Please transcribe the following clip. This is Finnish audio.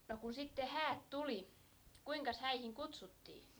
no kun sitten häät tuli kuinkas häihin kutsuttiin